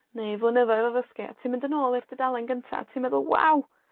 neu flynyddoedd o ddysgu, a ti'n mynd yn ôl i'r dudalan gynta, a ti'n meddwl waw,